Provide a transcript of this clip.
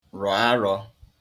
rọ̀ arọ̄